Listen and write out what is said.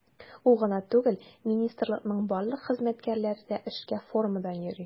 Ул гына түгел, министрлыкның барлык хезмәткәрләре дә эшкә формадан йөри.